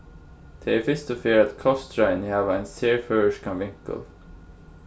tað er fyrstu ferð at kostráðini hava ein serføroyskan vinkul